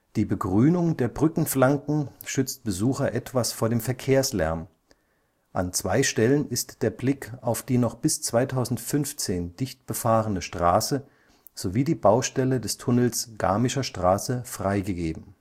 Die Begrünung der Brückenflanken schützt Besucher etwas vor dem Verkehrslärm, an zwei Stellen ist der Blick auf die noch bis 2015 dicht befahrene Straße sowie die Baustelle des Tunnels Garmischer Straße freigegeben